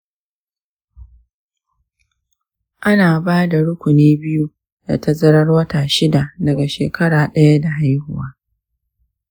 ana ba da rukuni biyu da tazarar wata shida daga shekara ɗaya da haihuwa.